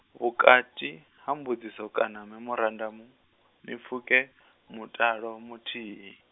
vhukati ha mbudziso kana memorandamu, ni pfukhe, mutalo muthihi.